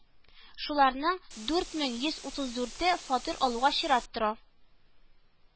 Шуларның дүрт мең йөз утыз дүрте фатир алуга чират тора